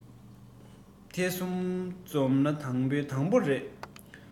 དེ གསུམ འཛོམས ན དང པོའི དང པོ རེད